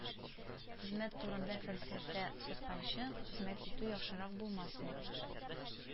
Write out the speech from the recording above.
Хезмәт турында фәлсәфә сатканчы, хезмәт итү яхшырак булмасмы